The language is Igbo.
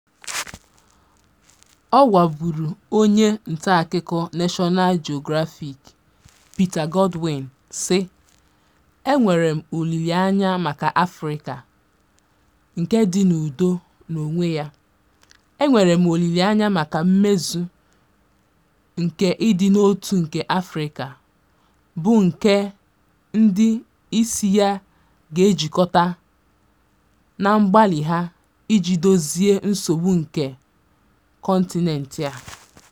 Ọ gwaburu onye ntaakụkọ National Geographic, Peter Godwin, sị, "Enwere m olileanya maka Afrịka nke dị n'udo n'onwe ya ... Enwere m olileanya maka mmezu nke ịdị n'otu nke Afrịka, bụ́ nke ndị isi ya ga-ejikọta na mgbalị ha iji dozie nsogbu nke kọntinent a.